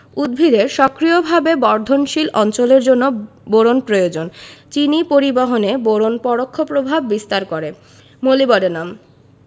উদ্ভিদের সক্রিয়ভাবে বর্ধনশীল অঞ্চলের জন্য বোরন প্রয়োজন চিনি পরিবহনে বোরন পরোক্ষ প্রভাব বিস্তার করে মোলিবডেনাম